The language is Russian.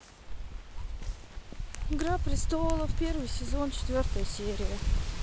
игра престолов первый сезон четвертая серия